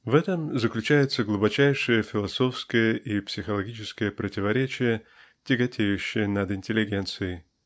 В этом заключается глубочайшее философское и психологическое противоречие тяготеющее над интеллигенцией.